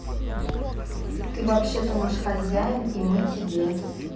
ты вообще то наш хозяин и мы тебе